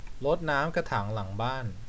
รดน้ำกระถางหลังบ้าน